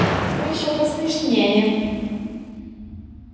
ну еще посмешнее